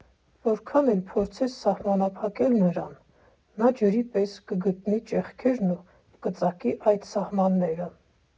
Որքան էլ փորձես սահմանափակել նրան, նա, ջրի պես, կգտնի ճեղքերն ու կծակի այդ սահմանները։